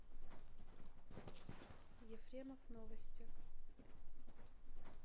ефремов новости